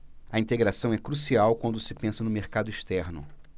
a integração é crucial quando se pensa no mercado externo